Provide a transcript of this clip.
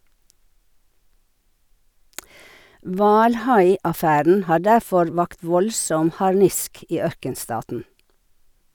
Hvalhaiaffæren har derfor vakt voldsom harnisk i ørkenstaten.